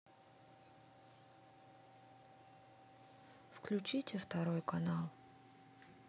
включите второй канал